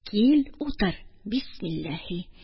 Кил, утыр, бисмиллаһи...